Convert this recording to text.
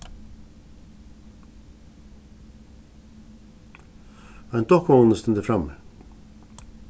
ein dukkuvognur stendur frammi